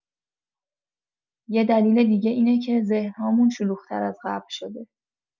یه دلیل دیگه اینه که ذهن‌هامون شلوغ‌تر از قبل شده.